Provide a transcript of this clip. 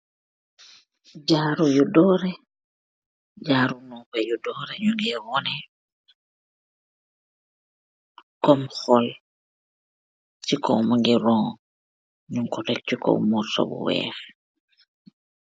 Jaaru yu doreh, jaaru nopa yu doreh nyungeh waneh kom khol, si kaw mungi ron, nyun tek chi kaw morso bu weakh.